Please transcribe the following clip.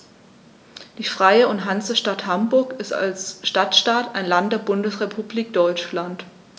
Die Freie und Hansestadt Hamburg ist als Stadtstaat ein Land der Bundesrepublik Deutschland.